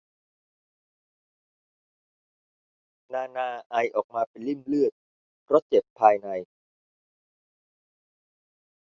นานาไอออกมาเป็นลิ่มเลือดเพราะเจ็บภายใน